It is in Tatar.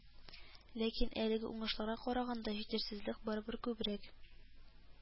Ләкин әлегә уңышларга караганда җитешсезлекләр барыбер күбрәк